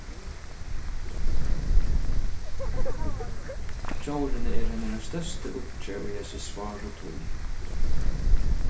djórini eru hennara størsti uggi í hesi sváru tíð